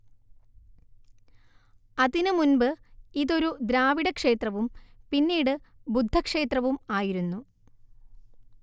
അതിനുമുൻപ് ഇതൊരു ദ്രാവിഡക്ഷേത്രവും പിന്നീട് ബുദ്ധക്ഷേത്രവും ആയിരുന്നു